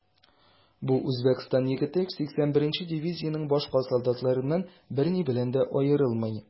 Бу Үзбәкстан егете 81 нче дивизиянең башка солдатларыннан берни белән дә аерылмый.